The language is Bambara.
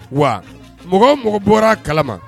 Wa mɔgɔ mɔgɔ bɔra a kalama